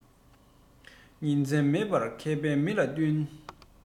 ཉིན མཚན མེད པར མཁས པའི མི དང བསྟུན